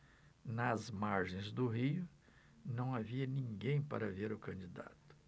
nas margens do rio não havia ninguém para ver o candidato